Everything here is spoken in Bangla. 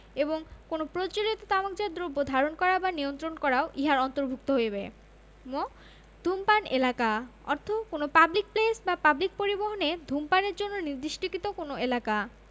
এবং কোন প্রজ্বলিত তামাকজাত দ্রব্য ধারণ করা বা নিয়ন্ত্রণ করাও ইহার অন্তর্ভুক্ত হইবে ঙ ধূমপান এলাকা অর্থ কোন পাবলিক প্লেস বা পাবলিক পরিবহণে ধূমপানের জন্য নির্দিষ্টকৃত কোন এলাকা